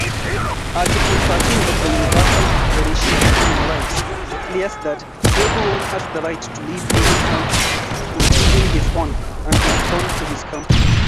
Article 13 of the Universal Declaration of Human Rights declares that "Everyone has the right to leave any country, including his own, and to return to his country".